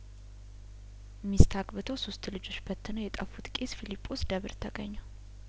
ሚስት አግብተው ሶስት ልጆች በትነው የጠፉት ቄስ ፊሊጶስ ደብር ተገኙ